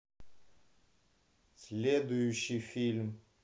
следующий фильм